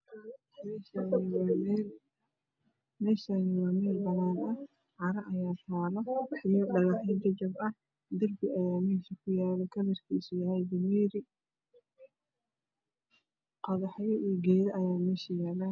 Meeshaani waa meel banaan caro ayaa taalo darbi Aya meesha ku yaalo kalarkisa yahay dameeri qodaxyo iyo geedo ayaa meesha yaalo